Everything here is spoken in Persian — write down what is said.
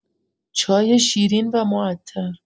چای شیرین و معطر